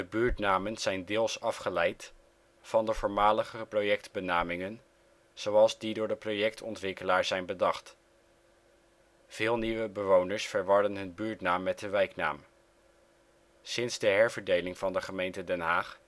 buurtnamen zijn deels afgeleid van de voormalige projectbenamingen zoals die door de projectontwikkelaar zijn bedacht. Veel nieuwe bewoners verwarren hun buurtnaam met de wijknaam. Sinds de herverdeling van de gemeente Den Haag